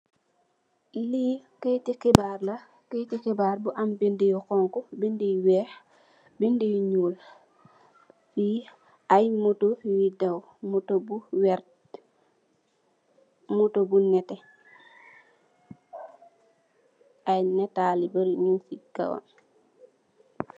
Li kayetu heebar la, kayetu heebar bu am bindi yu honku, bindi yu weeh, bindi yu ñuul. Fi ay moto nungi daw. Moto bu vert, moto bu nètè ay ñataal yu bari nung ci kawam.